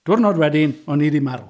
Diwrnod wedyn, o'n i 'di marw.